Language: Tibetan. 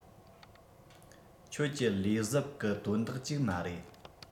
ཁྱོད ཀྱི ལས བཟབ གི དོན དག ཅིག མ རེད